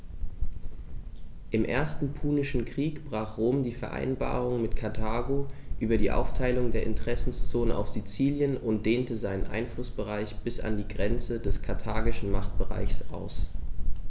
Im Ersten Punischen Krieg brach Rom die Vereinbarung mit Karthago über die Aufteilung der Interessenzonen auf Sizilien und dehnte seinen Einflussbereich bis an die Grenze des karthagischen Machtbereichs aus.